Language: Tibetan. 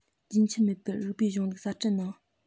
རྒྱུན ཆད མེད པར རིགས པའི གཞུང ལུགས གསར སྐྲུན གནང